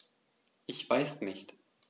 Ich weiß nicht.